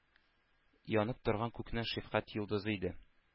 Янып торган күкнең шәфкать йолдызы иде.